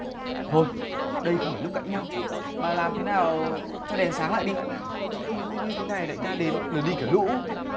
thôi đây không phải lúc cãi nhau bà làm thế nào cho đèn sáng lại đi chứ không cứ như thế này đại ca đến là đi cả lũ